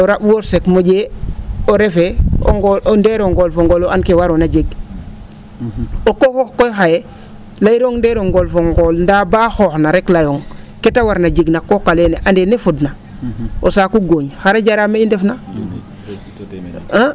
o ra? warsak mo?ee o refee ndeero ngool fo o ngool o an kee waroona jeg so wo koy xaye layirong ndeer o ngool fo ngool ndaa ba xoox na rek layong kee ta warna jeg na qooq aleene andee ne fodna o saaku gooñ xara jara mee i ndefna